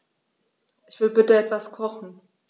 Ich will bitte etwas kochen.